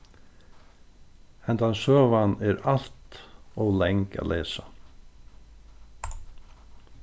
hendan søgan er alt ov lang at lesa